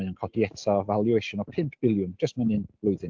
Mae o'n codi eto valuation o pump biliwn jyst mewn un blwyddyn.